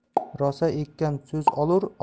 rosa ekkan soz olur